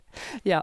Ja.